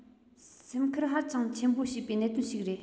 སེམས ཁུར ཧ ཅང ཆེན པོ བྱེད པའི གནད དོན ཞིག རེད